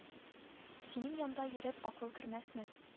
Синең янда йөреп акыл кермәсме